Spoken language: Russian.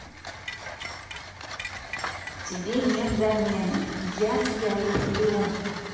тебе нет замены я тебя люблю